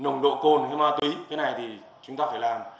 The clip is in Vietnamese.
nồng độ cồn hay ma túy thế này thì chúng ta phải làm